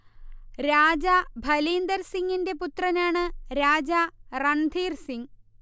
രാജാ ഭലീന്ദർ സിങ്ങിന്റെ പുത്രനാണ് രാജാ റൺധീർ സിങ്